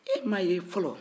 e m'a ye fɔlɔ